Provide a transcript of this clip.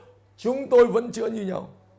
chúng tôi vẫn chữa như nhau